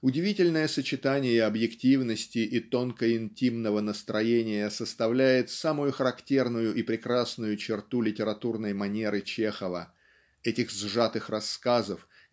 удивительное сочетание объективности и тонко-интимного настроения составляет самую характерную и прекрасную черту литературной манеры Чехова этих сжатых рассказов